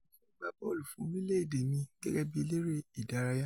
"mo fẹ́ gba bọọlu fún orílẹ̀ èdè mí gẹ́gẹ́ bí eléré ìdárayá.